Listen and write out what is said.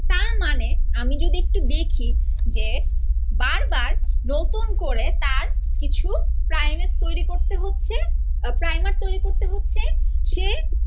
তার মানে আমি যদি একটু দেখি যে বারবার নতুন করে তার কিছু প্রাইমেজ তৈরি করতে হচ্ছে প্রাইমার তৈরি করতে হচ্ছে সে